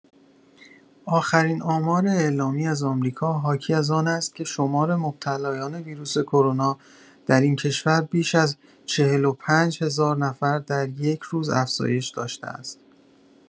آخرین آمار اعلامی از آمریکا حاکی‌از آن است که شمار مبتلایان ویروس کرونا در این کشور بیش از چهل‌وپنج هزار نفر در یک روز افزایش داشته است.